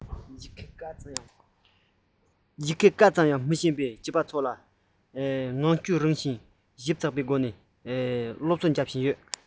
ངང རྒྱུད རིང ལ ཞིབ ཚགས པ ཞིབ ཚགས པ དང ཚགས ཚུད པ ཡི གེ ཀ ཙམ ཡང མི ཤེས པའི བྱིས པ སྦྱང རིག འཛོམས པའི བྱིས པ བྱིས པ ཞིག གསོ སྐྱོང བྱེད བཞིན ཡོད